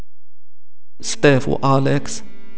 ستيف والكس